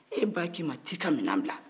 e ba k'i ma t'i ka minɛn bila